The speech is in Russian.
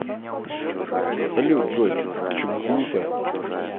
салют джой ты чего глупая